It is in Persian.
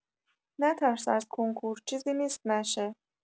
نترس از کنکور چیزی نیست نشه.